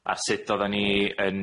a sud oddan ni yn-